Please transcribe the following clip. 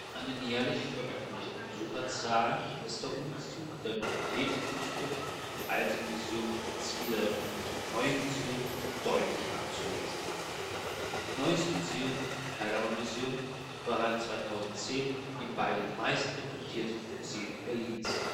An den jährlich veröffentlichten Besucherzahlen ist der Umzug der Nofretete-Büste vom Alten Museum ins wiedereröffnete Neue Museum deutlich abzulesen. Neues Museum und Pergamonmuseum waren 2010 die beiden meistfrequentierten Museen Berlins